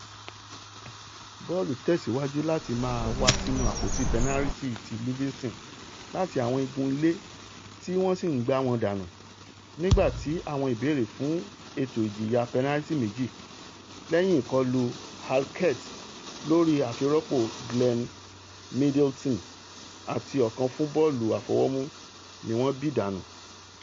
Bọ́ọ̀lù ńtẹ̀síwájú láti máa wá sínú àpòtí pẹnariti ti Livinston láti àwọn igun-ilé tí wọ́n sì ń gbá wọn dànu, nígbàti àwọn ìbèèrè fún ẹ̀tọ́ ìjìyà pẹnariti méjì -lẹ́yìn i̇̀kọlù Halkett lórí àfirọ́pò Glenn Middleton, àti ọ̀kan fún bọ́ọ̀lù àfọwọ́mù - ni wọ́n bí dànù.